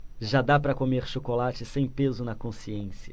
já dá para comer chocolate sem peso na consciência